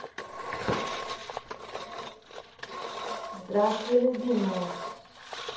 здравствуй любимая